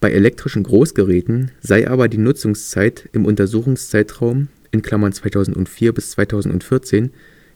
Bei elektrischen Großgeräten sei aber die Nutzungszeit im Untersuchungszeitraum (2004-2014)